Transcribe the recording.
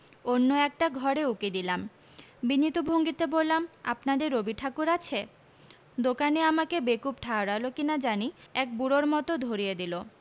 অন্য একার্ট ঘরে উকি দিলাম বিনীত ভঙ্গিতে বললাম আপনাদের রবিঠাকুর আছে দোকানী অমিকে বেকুব ঠাওড়ালী কিনা জানি এক বুড়োর মত ধরিয়ে দিল